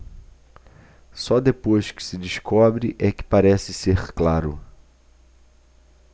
só depois que se descobre é que parece ser claro